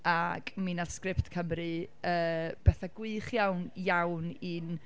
Ac mi wnaeth Sgript Cymru yy bethau gwych iawn, iawn i'n...